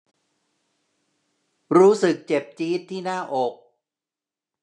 รู้สึกเจ็บจี๊ดที่หน้าอก